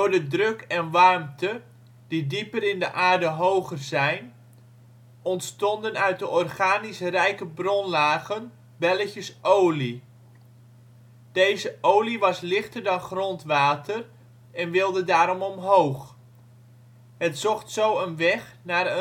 de druk en warmte, die dieper in de aarde hoger zijn, ontstonden uit de organisch-rijke bronlagen belletjes olie. Deze olie was lichter dan grondwater en wilde daarom omhoog. Het zocht zo een weg naar